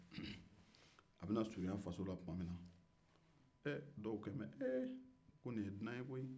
a bɛna surunya faso la tuma min na dɔw ko ee nin ye dunan ye koyi